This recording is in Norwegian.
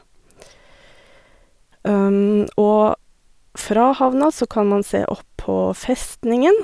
Og fra havna så kan man se opp på festningen.